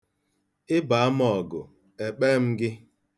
Ị baa m ọgụ, ekpee m gị.